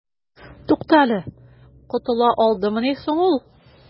Туктале, котыла алдымыни соң ул?